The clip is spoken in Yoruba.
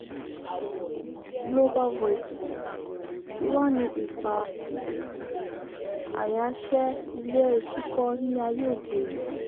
Global Voices (GV): Kí wá ni ipa ayaṣẹ́-ilé-kíkọ́ ní ayé òde òní?